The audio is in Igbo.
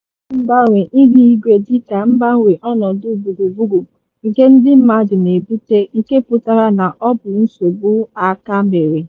AWDF na-ahụ mgbanwe ihu igwe dịka mgbanwe ọnọdụ gburugburu, nke ndị mmadụ na-ebute—nke pụtara na ọ bụ nsogbu aka mere.